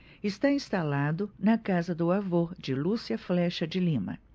está instalado na casa do avô de lúcia flexa de lima